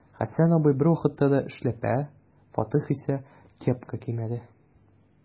Хәсән абзый бервакытта да эшләпә, Фатих исә кепка кимәде.